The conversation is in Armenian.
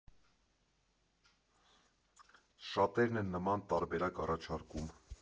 Շատերն են նման տարբերակ առաջարկում։